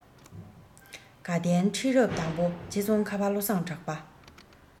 དགའ ལྡན ཁྲི རབས དང པོ རྗེ ཙོང ཁ པ བློ བཟང གྲགས པ